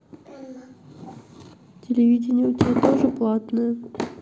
телевидение у тебя тоже платное